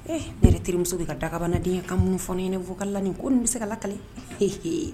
Ee ne yɛrɛ terimuso bɛ ka dagabanadenya ka mun fɔ ye ne fɔ la nin ko nin bɛ se ka la kalile ee